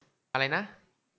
อะไรนะ